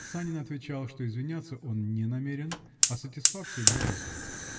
Санин отвечал, что извиняться он не намерен, а сатисфакцию дать готов.